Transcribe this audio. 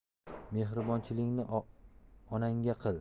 mehribonchiligingni onangga qil